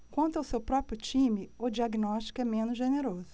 quanto ao seu próprio time o diagnóstico é menos generoso